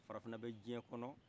farafinna bɛ jiyɛn kɔnɔ